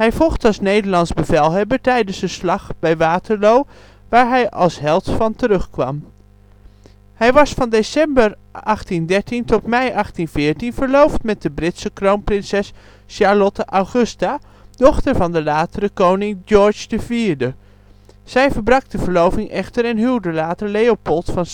vocht als Nederlands bevelhebber tijdens de Slag bij Waterloo waar hij als held van terugkwam. Hij was van december 1813 tot mei 1814 verloofd met de Britse kroonprinses Charlotte Augusta, dochter van de latere koning George IV. Zij verbrak de verloving echter en huwde later Leopold van